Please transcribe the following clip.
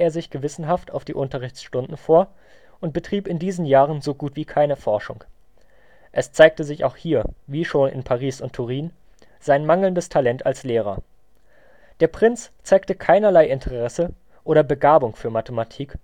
sich gewissenhaft auf die Unterrichtsstunden vor und betrieb in diesen Jahren so gut wie keine Forschung. Es zeigte sich auch hier, wie schon in Paris und Turin, sein mangelndes Talent als Lehrer. Der Prinz zeigte keinerlei Interesse oder Begabung für Mathematik